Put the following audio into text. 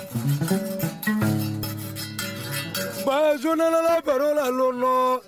Fa ka